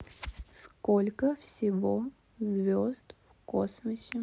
сколько всего звезд в космосе